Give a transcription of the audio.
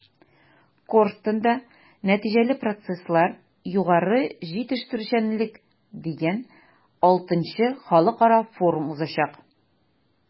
“корстон”да “нәтиҗәле процесслар-югары җитештерүчәнлек” дигән vι халыкара форум узачак.